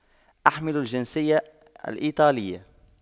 أحمل الجنسية الإيطالية